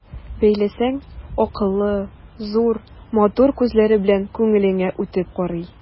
Бәйләсәң, акыллы, зур, матур күзләре белән күңелеңә үтеп карый.